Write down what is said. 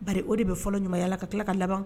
Ba o de bɛ fɔlɔ ɲumanyala ka tila ka laban